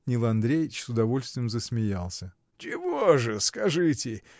Нил Андреич с удовольствием засмеялся. — Чего же, скажите?